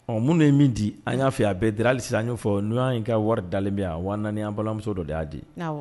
Ɔ minnu ye min di an y'a fɛ a bɛɛ draali sisan an' fɔ n'u y in ka wari dalen bɛ yan wa an balimamuso dɔ de y'a di